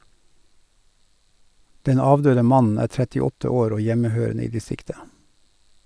Den avdøde mannen er 38 år og hjemmehørende i distriktet.